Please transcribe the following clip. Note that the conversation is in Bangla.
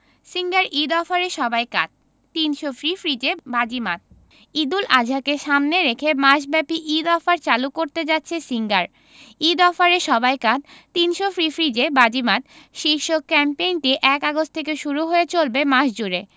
সিঙ্গার ঈদ অফারে সবাই কাত ৩০০ ফ্রি ফ্রিজে বাজিমাত ঈদুল আজহাকে সামনে রেখে মাসব্যাপী ঈদ অফার চালু করতে যাচ্ছে সিঙ্গার ঈদ অফারে সবাই কাত ৩০০ ফ্রি ফ্রিজে বাজিমাত শীর্ষক ক্যাম্পেইনটি ১ আগস্ট থেকে শুরু হয়ে চলবে মাস জুড়ে